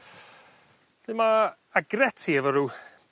'Lly ma' agretti efo ryw